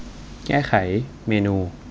แก้ไขเมนู